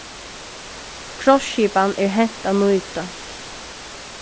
krossskipan er hent at nýta